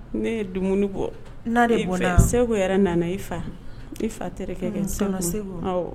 Ne ye dumuni bɔ, na de bɔnna, e fɛn Seku yɛrɛ nana i fa i fa terikɛ kɛ Seku, awɔ